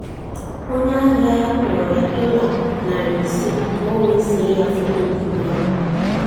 Onye ahịa ya kwụrụ ya dọla HK$500 (US$65) ka o see ya foto gburu ya.